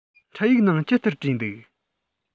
འཕྲིན ཡིག ནང ཅི ལྟར བྲིས འདུག